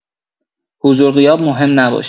حضور غیاب مهم نباشه